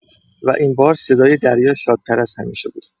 و این بار، صدای دریا شادتر از همیشه بود.